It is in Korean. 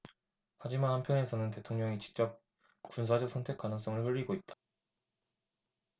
하지만 한편에서는 대통령이 직접 군사적 선택 가능성을 흘리고 있다